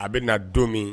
A bɛ na don min